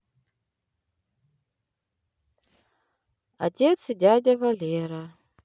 отец и дядя валера